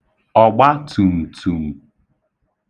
ọ̀gbatùm̀tùm̀